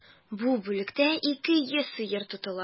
Бу бүлектә 200 сыер тотыла.